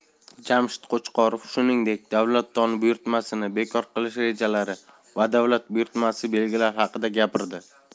jamshid qo'chqorov shuningdek davlat don buyurtmasini bekor qilish rejalari va davlat buyurtmasi belgilari haqida gapirdi